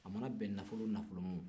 a mana bɛn nafolo o nafolo ma